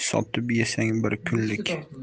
sotib yesang bir kunlik